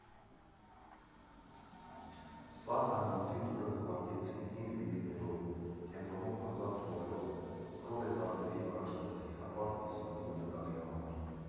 Սանհանգույցի դուռը քողարկեցին հին վինիլներով՝ կենտրոնում ազատ տեղ թողնելով պրոլետարների առաջնորդի հպարտ կիսանդրու նկարի համար։